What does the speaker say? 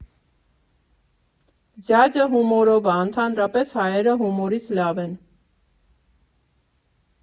Ձյաձը հումորով ա, ընդհանրապես հայերը հումորից լավ են.